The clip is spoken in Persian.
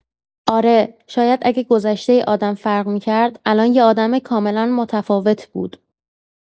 آره، شاید اگه گذشتۀ آدم فرق می‌کرد، الان یه آدم کاملا متفاوت بود.